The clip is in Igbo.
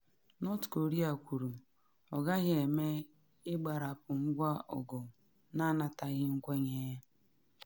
North Korea kwuru “ọ gaghị eme” ịgbarapụ ngwa ọgụ na anataghị nkwenye